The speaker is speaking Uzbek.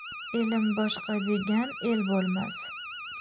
elim boshqa degan el bo'lmas